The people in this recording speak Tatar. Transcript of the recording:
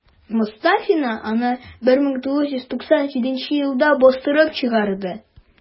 Мостафина аны 1997 елда бастырып чыгарды.